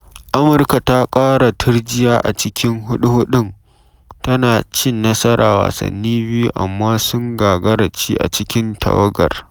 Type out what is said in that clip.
Amurka ta ƙara turjiya a cikin huɗu-huɗun, tana ci nasarar wasanni biyu, amma sun gagara ci a cikin tawayar.